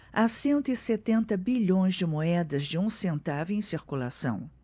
há cento e setenta bilhões de moedas de um centavo em circulação